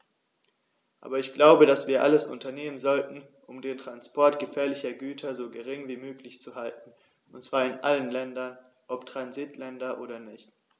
Aber ich glaube, dass wir alles unternehmen sollten, um den Transport gefährlicher Güter so gering wie möglich zu halten, und zwar in allen Ländern, ob Transitländer oder nicht.